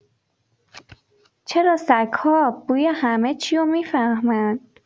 چرا سگ‌ها بوی همه‌چیو می‌فهمن؟